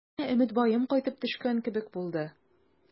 Менә Өметбаем кайтып төшкән кебек булды.